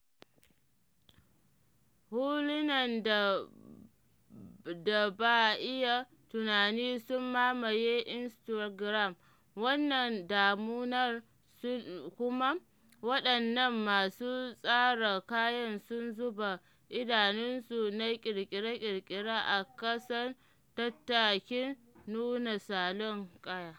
Hulunan da ba a iya tunani sun mamaye Instagram wannan damunar kuma waɗannan masu tsara kayan sun zuba idanunsu na ƙirƙire-ƙirƙire a ƙasan tattakin nuna salon kaya.